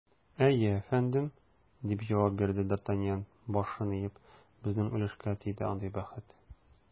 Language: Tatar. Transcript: Әйе, әфәндем, - дип җавап бирде д’Артаньян, башын иеп, - безнең өлешкә тиде андый бәхет.